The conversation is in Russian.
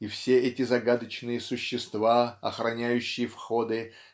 и все эти загадочные существа охраняющие входы